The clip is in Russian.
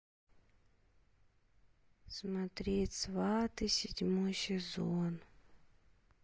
смотреть сваты седьмой сезон